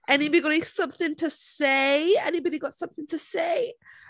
"Anybody got something to say? Anybody got something to say?"